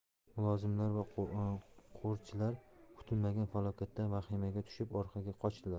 mulozimlar va qo'rchilar kutilmagan falokatdan vahimaga tushib orqaga qochdilar